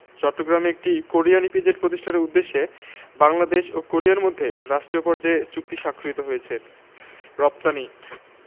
চট্টগ্রামে একটি Korean EPZ প্রতিষ্ঠার উদ্দেশ্যে বাংলাদেশ ও কোরিয়ার মধ্যে রাষ্ট্রীয় পর্যায়ে চুক্তি স্বাক্ষরিত হয়েছে রপ্তানিঃ